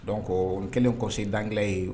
Donc o kɛlen conseil d'anglais ye .